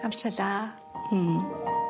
Amser da. Hmm.